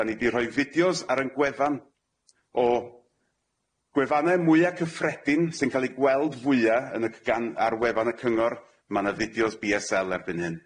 'Dan ni 'di rhoi fideos ar 'yn gwefan o gwefane mwya cyffredin sy'n ca'l eu gweld fwya yn y g- gan ar wefan y cyngor ma' 'na fideos Bee Ess El erbyn hyn.